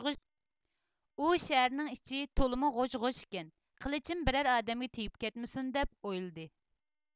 ئۇ شەھەرنىڭ ئىچى تولىمۇ غوژ غوژ ئىكەن قىلىچىم بىرەر ئادەمگە تېگىپ كەتمىسۇن دەپ ئويلىدى